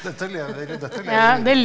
dette lever dette lever videre.